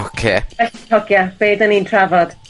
Ocê. Reit hogia be' 'dan ni'n trafod?